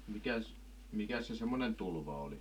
mikäs mikäs se semmoinen tulva oli